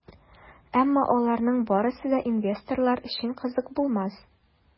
Әмма аларның барысы да инвесторлар өчен кызык булмас.